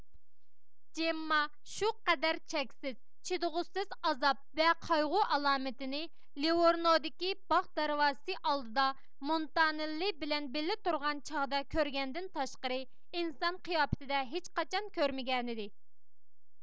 جېمما شۇ قەدەر چەكسىز چىدىغۇسىز ئازاب ۋە قايغۇ ئالامىتىنى لىۋورنودىكى باغ دەرۋازىسى ئالدىدا مونتانېللى بىلەن بىللە تۇرغان چاغدا كۆرگەندىن تاشقىرى ئىنسان قىياپىتىدە ھېچقاچان كۆرمىگەنىدى